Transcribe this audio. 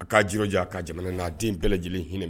A kaa jiri jɔ a ka jamana n'a den bɛɛ lajɛlen hinɛ ma